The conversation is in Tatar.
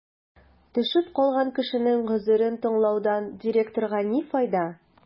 Төшеп калган кешенең гозерен тыңлаудан директорга ни файда?